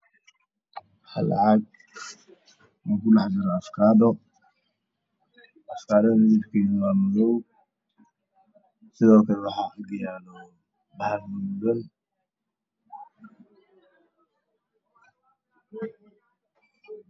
Meeshan waxa iga muuqda weel ay ku jiraan afakaadho madmadow waxa aynu saaran yihiin miis